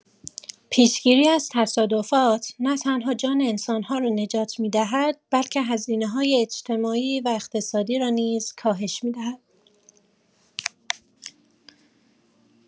پیش‌گیری از تصادفات، نه‌تنها جان انسان‌ها را نجات می‌دهد، بلکه هزینه‌های اجتماعی و اقتصادی را نیز کاهش می‌دهد.